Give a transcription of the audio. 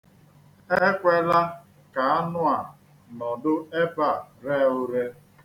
Ekwela ka anụ a nọdụ ebe a ree ure.